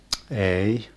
ei